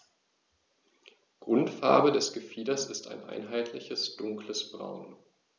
Grundfarbe des Gefieders ist ein einheitliches dunkles Braun.